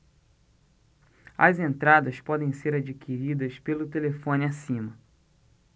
as entradas podem ser adquiridas pelo telefone acima